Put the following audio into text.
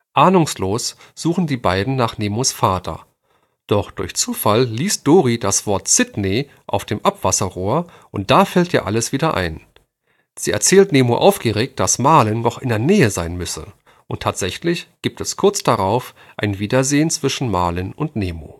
Ahnungslos suchen die beiden nach Nemos Vater, doch durch Zufall liest Dorie das Wort „ Sydney “auf dem Abwasserrohr, und da fällt ihr alles wieder ein. Sie erzählt Nemo aufgeregt, dass Marlin noch in der Nähe sein müsse, und tatsächlich gibt es kurz darauf ein Wiedersehen zwischen Marlin und Nemo